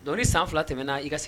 Don san fila tɛmɛna i ka sigi